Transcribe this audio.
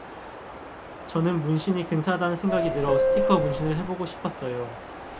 저는 문신이 근사하다는 생각이 들어 스티커 문신을 해 보고 싶었어요